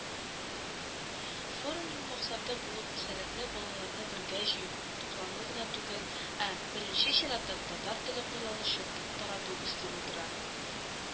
Форумның максаты булып сәләтле балаларны бергә җыю, туплау гына түгел, ә, беренче чиратта, татар теле кулланышын тот тарату, үстерү тора